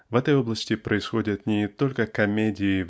В этой области происходят не только комедии